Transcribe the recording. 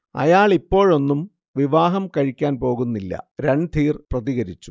അയാളിപ്പോഴൊന്നും വിവാഹം കഴിക്കാൻ പോകുന്നില്ല- രൺധീർ പ്രതികരിച്ചു